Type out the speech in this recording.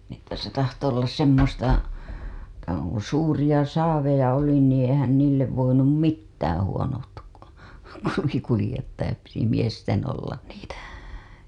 niin että se tahtoi olla semmoista kun suuria saaveja oli niin eihän niille voinut mitään huonot kun oli kuljettajat piti miesten olla niitä